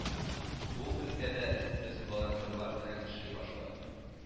Бу өлкәдә без волонтерлар белән эшли башладык